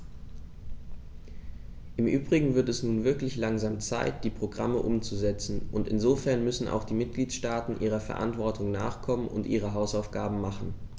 Im übrigen wird es nun wirklich langsam Zeit, die Programme umzusetzen, und insofern müssen auch die Mitgliedstaaten ihrer Verantwortung nachkommen und ihre Hausaufgaben machen.